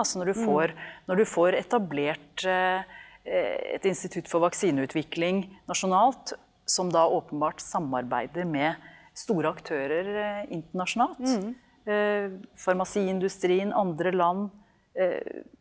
altså når du får når du får etablert et institutt for vaksineutvikling nasjonalt, som da åpenbart samarbeider med store aktører internasjonalt, farmasi-industrien, andre land,